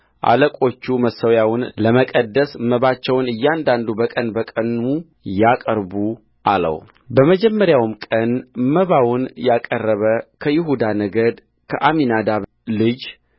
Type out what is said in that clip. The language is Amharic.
አለቆቹ መሠዊያውን ለመቀደስ መባቸውን እያንዳንዱ በቀን በቀኑ ያቅርቡ አለውበመጀመሪያውም ቀን መባውን ያቀረበ ከይሁዳ ነገድ የአሚናዳብ ልጅ